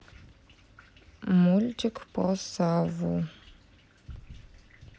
мультик про савву